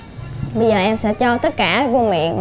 bây giờ em sẽ cho tất cả vô miệng